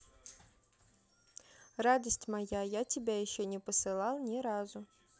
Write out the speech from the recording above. радость моя я тебя еще не посылал ни разу